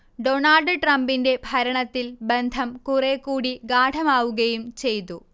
Donald ട്രംപിന്റെ ഭരണത്തിൽ ബന്ധം കുറേക്കൂടി ഗാഢമാവുകയും ചെയ്തു